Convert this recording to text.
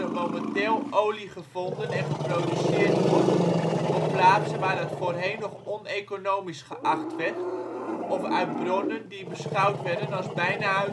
momenteel olie gevonden en geproduceerd wordt op plaatsen waar dat voorheen nog on-economisch geacht werd of uit bronnen die beschouwd werden als bijna